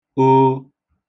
oo